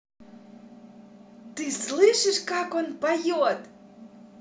ты слышишь как он поет